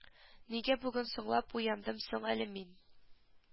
Нигә бүген соңлап уяндым соң әле мин